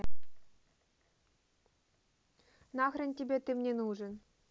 нахрен тебе ты мне нужен